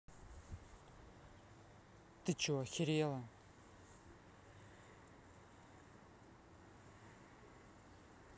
ты че охерела